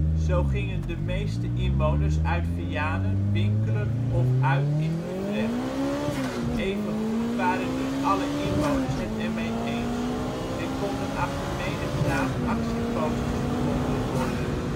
Zo gingen de meeste inwoners uit Vianen winkelen of uit in Utrecht. Evengoed waren niet alle inwoners het er mee eens en konden achter menig raam actieposters bewonderd worden